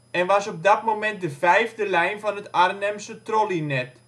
en was op dat moment de 5e lijn van het Arnhemse trolleynet